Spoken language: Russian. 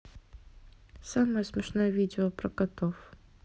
самое смешное видео про котов